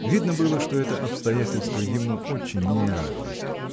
Видно было, что это обстоятельство ему очень не нравилось